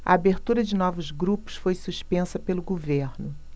a abertura de novos grupos foi suspensa pelo governo